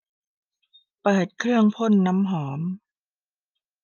เปิดเครื่องพ่นน้ำหอม